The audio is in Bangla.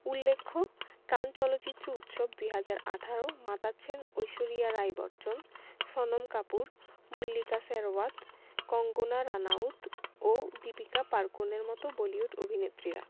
উল্লেখ্য কান চলচ্চিত্র উৎসব ২০১৮ মাতাচ্ছেন ঐশ্বরিয়া রাই বচ্চন সোনম কাপুর মল্লিকা শেরওয়াত কঙ্গনা রানাউত ও দীপিকা পাড়–কোনের মতো বলিউড অভিনেত্রীরা